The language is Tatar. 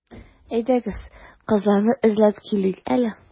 Әйдәгез, кызларны эзләп килик әле.